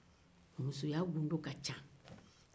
musoya gundo ka ca